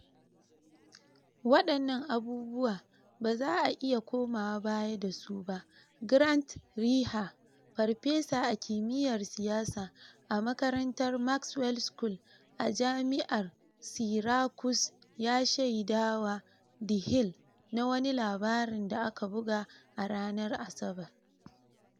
Waɗannan abubuwa ba za a iya komawa baya da su ba, "Grant Reeher, farfesa a kimiyyar siyasa a makarantar Maxwell School a Jami'ar Syracuse ya shaidawa The Hill na wani labarin da aka buga a ranar Asabar.